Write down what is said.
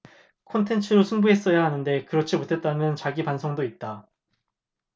콘텐츠로 승부했어야 하는데 그렇지 못했다는 자기 반성도 있다